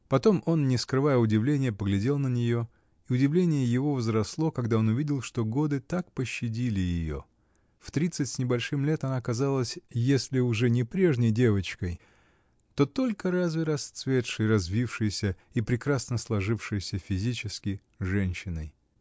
Потом он, не скрывая удивления, поглядел на нее, и удивление его возросло, когда он увидел, что годы так пощадили ее: в тридцать с небольшим лет она казалась если уже не прежней девочкой, то только разве расцветшей, развившейся и прекрасно сложившейся физически женщиной.